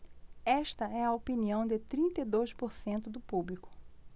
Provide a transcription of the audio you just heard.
esta é a opinião de trinta e dois por cento do público